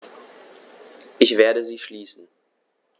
Ich werde sie schließen.